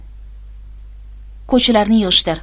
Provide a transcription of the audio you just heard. ko'chlarni yig'ishtir